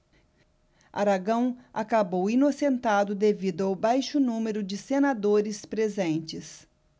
aragão acabou inocentado devido ao baixo número de senadores presentes